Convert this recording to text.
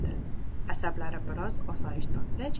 asablari bir oz osoyish topgach